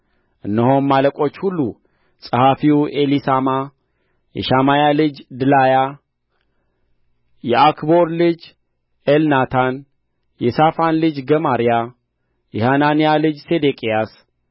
እነሆም አለቆች ሁሉ ጸሐፊው ኤሊሳማ የሸማያ ልጅ ድላያ የዓክቦር ልጅ ኤልናታን የሳፋን ልጅ ገማርያ የሐናንያ ልጅ ሴዴቅያስ